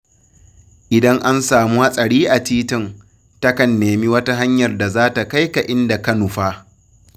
Idan an samu hatsari a titin, takan nemi wata hanyar da za ta kai ka inda ka nufa.